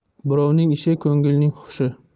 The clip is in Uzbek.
birovning ishi ko'ngilning hushi